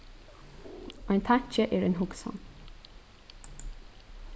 ein tanki er ein hugsan